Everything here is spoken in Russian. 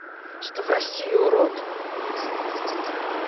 что в россии урод